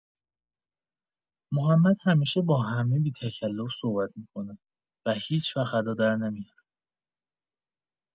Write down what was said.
محمد همیشه با همه بی‌تکلف صحبت می‌کنه و هیچ‌وقت ادا درنمی‌اره.